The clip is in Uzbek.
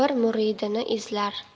pir muridini izlar